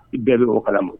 I bɛɛ be o kalama